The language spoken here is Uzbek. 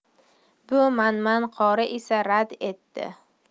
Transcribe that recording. bu manman qori esa rad etdi